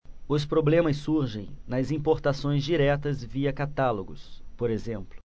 os problemas surgem nas importações diretas via catálogos por exemplo